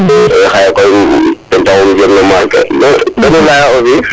xaye koy ten taxu leye kenu leya aussi